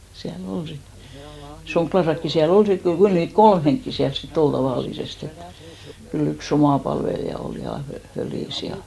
siellä oli sitten Sonkiassakin siellä oli sitten kyllä niitä kolme henkeä siellä sitten oli tavallisesti että kyllä yksi oma palvelija oli ja - fölissä ja